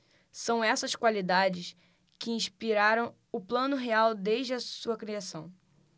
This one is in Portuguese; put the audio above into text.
são essas qualidades que inspiraram o plano real desde a sua criação